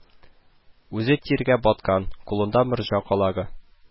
Үзе тиргә баткан, кулында морҗа калагы